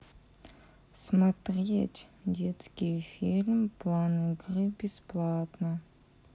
смотреть фильм детский план игры бесплатно